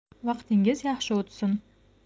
vaqtingiz yaxshi o'tsin